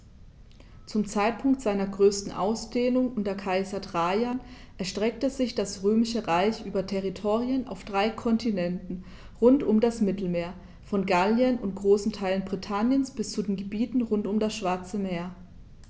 Zum Zeitpunkt seiner größten Ausdehnung unter Kaiser Trajan erstreckte sich das Römische Reich über Territorien auf drei Kontinenten rund um das Mittelmeer: Von Gallien und großen Teilen Britanniens bis zu den Gebieten rund um das Schwarze Meer.